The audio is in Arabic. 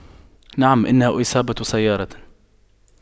نعم انه إصابة سيارة